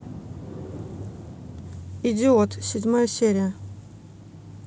идиот седьмая серия